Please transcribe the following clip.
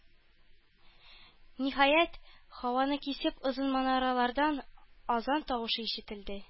Ниһаять, һаваны кисеп озын манаралардан азан тавышы ишетелде.